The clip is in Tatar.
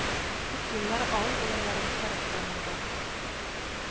Күп еллар авыл балаларын хәреф танырга